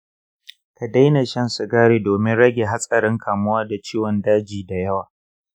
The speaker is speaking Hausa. ka daina shan sigari domin rage hatsarin kamuwa da ciwon daji da yawa.